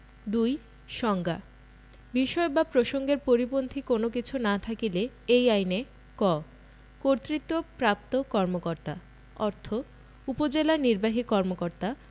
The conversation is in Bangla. ২ সংজ্ঞাঃ বিষয় বা প্রসংগের পরিপন্থী কোন কিছু না থাকিলে এই আইনে ক কর্তৃত্তবপ্রাপ্ত কর্মকর্তা অর্থ উপজেলা নির্বাহী কর্মকর্তা